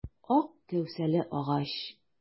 Ак кәүсәле агач.